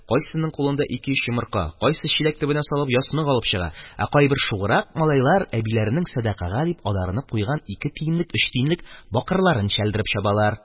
Кайсының кулында ике-өч йомырка, кайсысы чиләк төбенә салып ясмык алып чыга, ә кайбер шуграк малайлар әбиләренең сәдакага дип адарынып куйган ике тиенлек, өч тиенлек бакырларын чәлдереп чабалар.